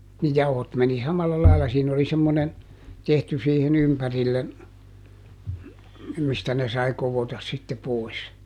niin jauhot meni samalla lailla siinä oli semmoinen tehty siihen ympärille mistä ne sai koota sitten pois